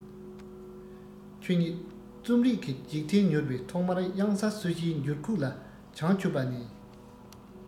ཁྱོད ཉིད རྩོམ རིག གི འཇིག རྟེན ཉུལ བའི ཐོག མར དབྱངས གསལ སོ བཞིའི འགྱུར ཁུག ལ བྱང ཆུབ པ ནས